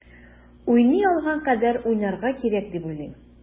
Уйный алган кадәр уйнарга кирәк дип уйлыйм.